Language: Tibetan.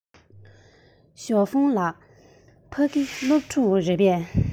ཞའོ ཧྥུང ལགས ཕ གི སློབ ཕྲུག རེད པས